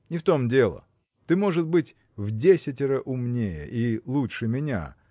– Не в том дело; ты, может быть, вдесятеро умнее и лучше меня.